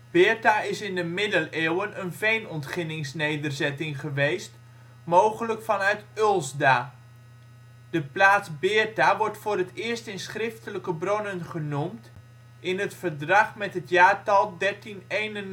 Beerta is in de middeleeuwen een veenontginningsnederzetting geweest, mogelijk vanuit Ulsda. De plaats Beerta wordt voor het eerst in schriftelijke bronnen genoemd in het verdrag met het jaartal 1391